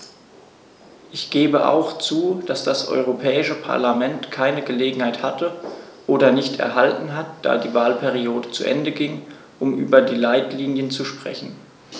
Ich gebe auch zu, dass das Europäische Parlament keine Gelegenheit hatte - oder nicht erhalten hat, da die Wahlperiode zu Ende ging -, um über die Leitlinien zu sprechen.